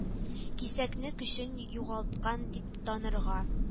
Кисәкне көчен югалткан дип танырга